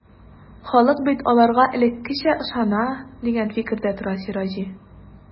Халык бит аларга элеккечә ышана, дигән фикердә тора Сираҗи.